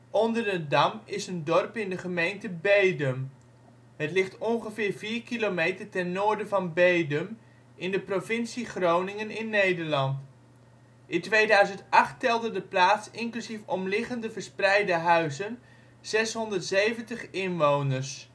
Onderndaam) is een dorp in de gemeente Bedum. Het ligt ongeveer vier kilometer ten noorden van Bedum in de provincie Groningen in Nederland. In 2008 telde de plaats inclusief omliggende verspreide huizen 670 inwoners